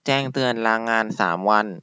แจ้งเตือนลางานสามวัน